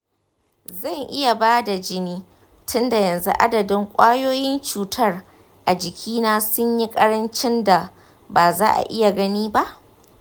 zan iya ba da jini tunda yanzu adadin ƙwayoyin cutar a jikina sun yi ƙarancin da ba za a iya gani ba?